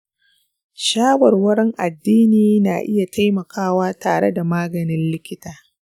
shawarwarin addini na iya taimakawa tare da maganin likita.